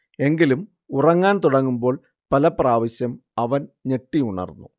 എങ്കിലും ഉറങ്ങാൻ തുടങ്ങുമ്പോൾ പല പ്രാവശ്യം അവൻ ഞെട്ടി ഉണർന്നു